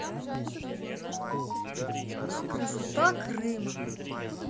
красота крыма